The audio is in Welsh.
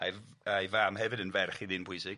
A'i a'i fam hefyd yn ferch i ddyn pwysig.